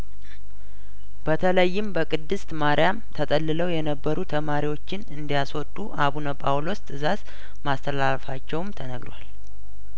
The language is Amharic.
በተለይም በቅድስት ማርያም ተጠልለው የነበሩ ተማሪዎችን እንዲ ያስወጡ አቡነ ጳውሎስ ትእዛዝ ማስተላለፋቸውም ተነግሯል